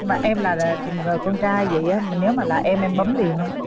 mà em là là là con trai dậy á nếu mà là em em bấm liền không